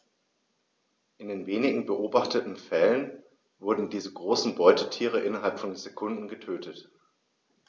In den wenigen beobachteten Fällen wurden diese großen Beutetiere innerhalb von Sekunden getötet.